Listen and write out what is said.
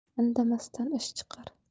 indamasdan ish chiqar